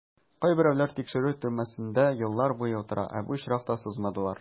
Кайберәүләр тикшерү төрмәсендә еллар буе утыра, ә бу очракта сузмадылар.